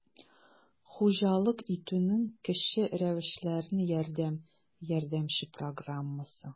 «хуҗалык итүнең кече рәвешләренә ярдәм» ярдәмче программасы